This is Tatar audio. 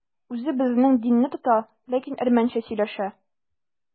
Үзе безнең динне тота, ләкин әрмәнчә сөйләшә.